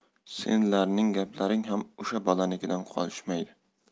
senlarning gaplaring ham o'sha bolanikidan qolishmaydi